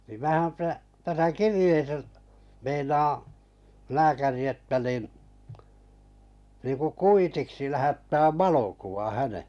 niin minähän - tässä kirjeessä meinaa lääkäri että niin niin kuin kuitiksi lähettää valokuva hänen